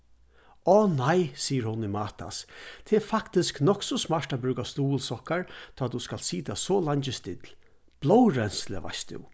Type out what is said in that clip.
áh nei sigur hon í matas tað er faktiskt nokk so smart at brúka stuðulssokkar tá tú skalt sita so leingi still blóðrenslið veitst tú